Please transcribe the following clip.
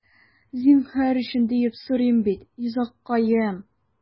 Зинһар өчен, диеп сорыйм бит, йозаккаем...